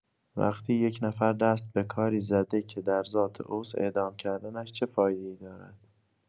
وقتی یک نفر دست به کاری زده که در ذات اوست، اعدام کردنش چه فایده‌ای دارد؟